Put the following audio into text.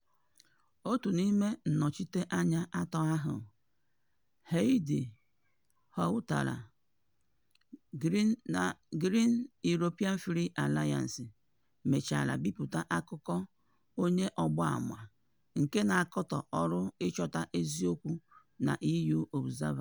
Otu n'ime ndị nnọchiteanya atọ ahụ, Heidi Hautala (Greens-European Free Alliance), mechara bipụta akụkọ onye ọgbaama nke na-akatọ ọrụ ịchọta eziokwu na EU Observer.